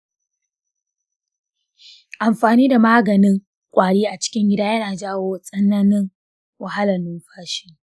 amfani da maganin kwari a cikin gida yana jawo tsananin wahalar numfashi.